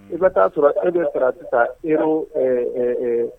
I bɛ ta sɔrɔ, e bɛ sara sisan euro ɛ ɛ